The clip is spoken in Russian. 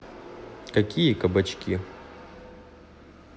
какие кабачки